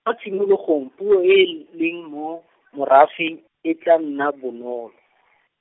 kwa tshimologong, puo e e l- leng mo, merafeng, e tla nna bonolo.